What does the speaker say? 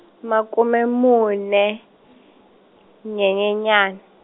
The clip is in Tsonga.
makume mune, Nyenyenyane.